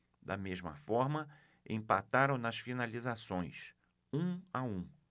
da mesma forma empataram nas finalizações um a um